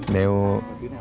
nếu